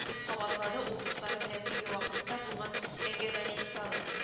— дип кабатлады ул, дуслары белән теге вакытта булган әңгәмәне искә алып